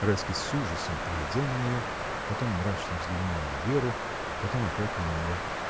Райский с ужасом поглядел на нее, потом мрачно взглянул на Веру, потом опять на нее.